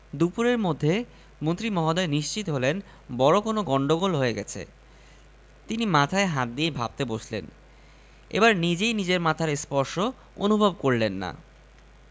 দুপুরের মধ্যে মন্ত্রী মহোদয় নিশ্চিত হলেন বড় কোনো গন্ডগোল হয়ে গেছে তিনি মাথায় হাত দিয়ে ভাবতে বসলেন এবার নিজেই নিজের মাথার স্পর্শ অনুভব করলেন না